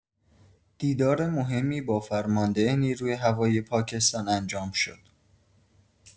دیدار مهمی با فرمانده نیروی هوایی پاکستان انجام شد.